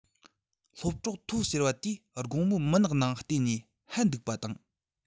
སློབ གྲོགས ཐའོ ཟེར བ དེས དགུང མོའི མུན ནག ནང བལྟས ནས ཧད འདུག པ དང